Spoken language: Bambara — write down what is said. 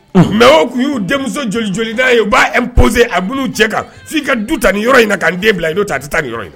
Mɛ o tun y'u denmusoj' ye u b'a pzse a bolo cɛ kan' ka du tan ni yɔrɔ in ka n den bila n'o ta a tɛ taa ni yɔrɔ in na